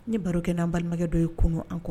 Ni barokɛ n'an balimakɛ dɔ ye kunun an kɔ